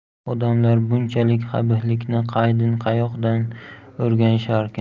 odamlar bunchalik qabihlikni qaydin qayoqdan o'rganisharkin